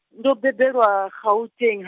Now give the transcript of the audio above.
ndo bebelwa Gauteng.